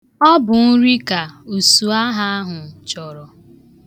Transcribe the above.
Ọ bụ nri ka usuagha ahụ chọrọ.